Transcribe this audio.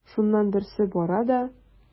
Шуннан берсе бара да:.